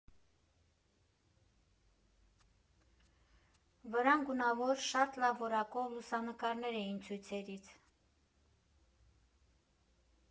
Վրան գունավոր, շատ լավ որակով լուսանկարներ էին ցույցերից։